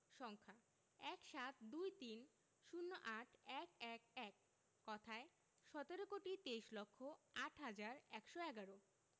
সংখ্যাঃ ১৭ ২৩ ০৮ ১১১ কথায়ঃ সতেরো কোটি তেইশ লক্ষ আট হাজার একশো এগারো